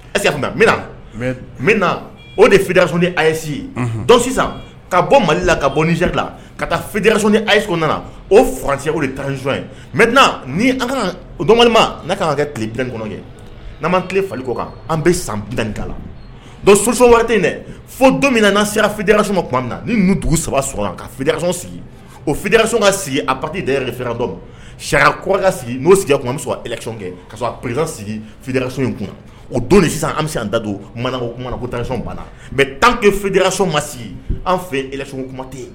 Ɛ bɛ na o de firaso ni ase ye don sisan ka bɔ mali la ka bɔla ka taa feeretirirasononi ayiso nana o fase o de tasɔn ye mɛ ni ka dɔnnima kan kɛ tile kɔnɔ kɛ n'an tile falenko kan an bɛ san ta la don sososɔ wɛrɛ dɛ fo don min'a sera firaso ma tuma min na ni dugu saba ka feereraso sigi o firaso ka sigi a pati da yɛrɛ bɔ sariyaka kura sigi'o sigi an bɛ sɔn kɛ ka a p sigi firaso in kuma o don ni sisan an bɛ da don mana o kuma ko tasɔn banna mɛ tan ye feerediraso ma sigi an fɛ ye econ kuma tɛ yen